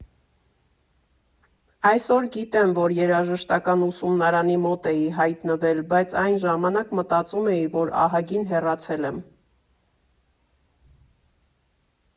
Այսօր գիտեմ, որ երաժշտական ուսումնարանի մոտ էի հայտնվել, բաց այն ժամանակ մտածում էի, որ ահագին հեռացել եմ։